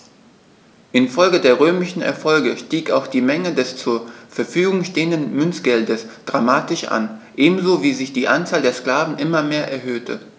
Infolge der römischen Erfolge stieg auch die Menge des zur Verfügung stehenden Münzgeldes dramatisch an, ebenso wie sich die Anzahl der Sklaven immer mehr erhöhte.